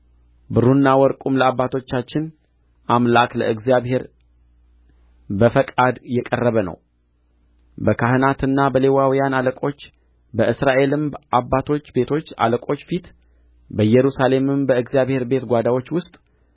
ብሩና ወርቁም ለአባቶቻችን አምላክ ለእግዚአብሔር በፈቃድ የቀረበ ነው በካህናትና በሌዋውያን አለቆች በእስራኤልም አባቶች ቤቶች አለቆች ፊት በኢየሩሳሌም በእግዚአብሔር ቤት ጓዳዎች ውስጥ